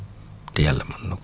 te yàlla mën na ko